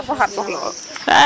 xar fo xar soxla'o